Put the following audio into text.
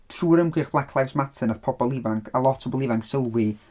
Trwy'r ymgyrch Black Lives Matter wnaeth bobl ifanc, a lot o bobl ifanc sylwi...